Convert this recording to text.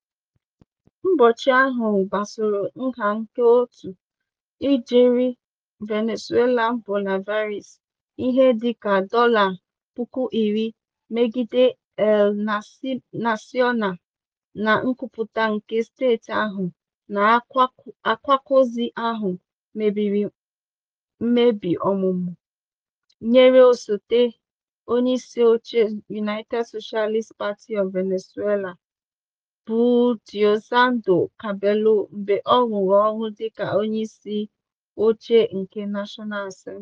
Mgbochi ahụ gbasoro nha nke otu ijeri Venezuelan Bolivares (ihe dịka $10,000) megide El Nacional, na nkwupụta nke steeti ahụ na akwụkwọozi ahụ mebiri "mmebi omume" nyere osote onyeisi oche United Socialist Party of Venezuela (PSUV) bụ Diosdado Cabello, mgbe ọ rụrụ ọrụ dịka onyeisi oche nke National Assembly.